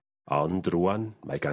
...ond rŵan mae gan...